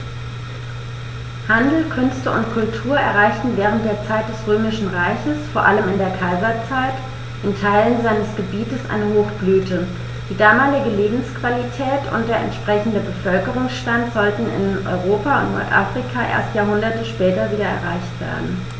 Handel, Künste und Kultur erreichten während der Zeit des Römischen Reiches, vor allem in der Kaiserzeit, in Teilen seines Gebietes eine Hochblüte, die damalige Lebensqualität und der entsprechende Bevölkerungsstand sollten in Europa und Nordafrika erst Jahrhunderte später wieder erreicht werden.